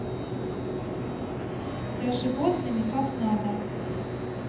за животными как надо